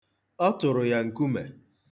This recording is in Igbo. Ọ tụrụ ya nkume.